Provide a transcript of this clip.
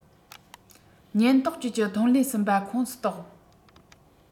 ཉེན རྟོག ཅུའུ ཀྱི ཐོན ལས གསུམ པ ཁོངས སུ གཏོགས